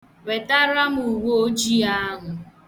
Wetara m uwe ojii ahụ.